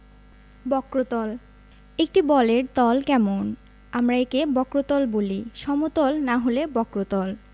বক্রতলঃ একটি বলের তল কেমন আমরা একে বক্রতল বলি সমতল না হলে বক্রতল